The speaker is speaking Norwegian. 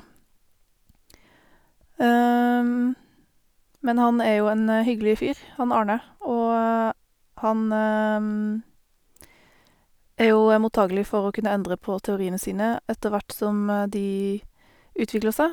Men han er jo en hyggelig fyr, han Arne, og han er jo mottagelig for å kunne endre på teoriene sine etter hvert som de utvikler seg.